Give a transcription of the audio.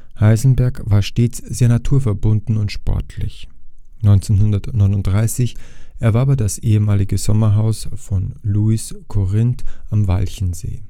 Heisenberg war stets sehr naturverbunden und sportlich. 1939 erwarb er das ehemalige Sommerhaus von Lovis Corinth am Walchensee